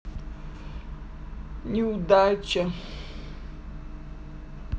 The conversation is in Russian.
неудача